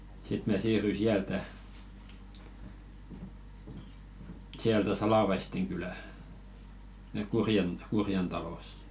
sitten minä siirryin sieltä sieltä Salavaisten kylään sinne Kurjen Kurjen taloon